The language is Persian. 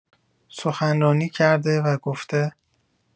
سخنرانی کرده و گفته